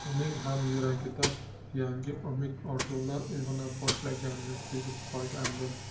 uning ham yuragida yangi umid orzular uyg'ona boshlaganini sezib qolgandim